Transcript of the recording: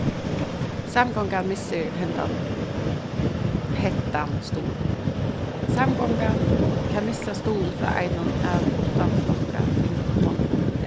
samgongan missir hendan hentan stuðul samgongan kann missa stuðul frá einum av uttanflokkatingmonnunum í